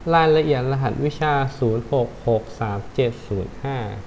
รายละเอียดรหัสวิชาศูนย์หกหกสามเจ็ดศูนย์ห้า